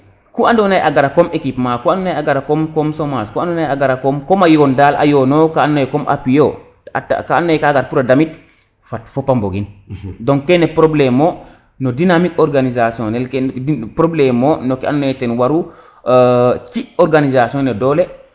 ku ando naye a gara comme équipement ku ando naye a gara comme comme chomage ku ando naye a gara comme a yoon dal a yoona na wo ka ando naye comme appuie yo ka ando naye ka gar pour a damit fat fopa mbogin donc kene probleme o no dynamique organisationnel kene probleme o no ke ando naye ten waru ci organisation ne doole